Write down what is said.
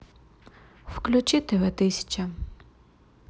включи тв тысяча